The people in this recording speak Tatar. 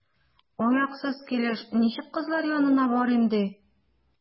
Аяксыз килеш ничек кызлар янына барыйм, ди?